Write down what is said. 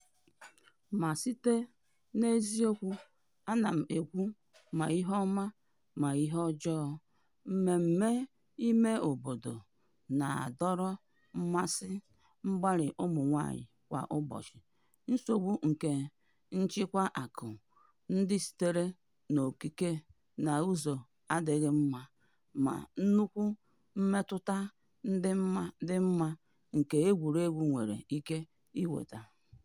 Ma site n'eziokwu, ana m ekwu ma ihe ọma ma ihe ọjọọ: mmemme imeobodo na-adọrọ mmasị, mgbalị ụmụnwaanyị kwa ụbọchị, nsogbu nke nchịkwa akụ ndị sitere n'okike n'ụzọ n'adịghị mma, na nnukwu mmetụta dị mma nke egwuruegwu nwere ike iwete.